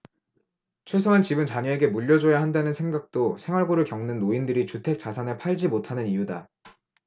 최소한 집은 자녀에게 물려줘야 한다는 생각도 생활고를 겪는 노인들이 주택 자산을 팔지 못하는 이유다